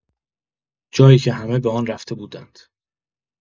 جایی که همه به آن رفته بودند.